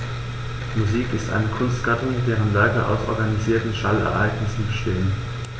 Musik ist eine Kunstgattung, deren Werke aus organisierten Schallereignissen bestehen.